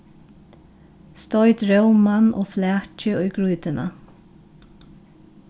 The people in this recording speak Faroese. stoyt róman og flakið í grýtuna